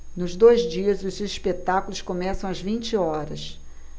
nos dois dias os espetáculos começam às vinte horas